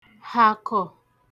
hàkọ̀